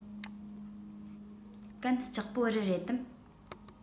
གན ལྕོགས པོ རི རེད དམ